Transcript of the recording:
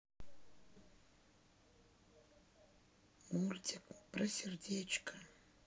мультик про сердечко